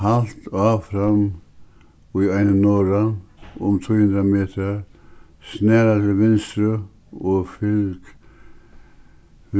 halt áfram í ein norðan um trý hundrað metrar snara til vinstru og fylg